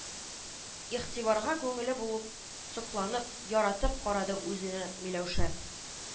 Игътибарга күңеле булып, сокланып, яратып карады үзенә Миләүшә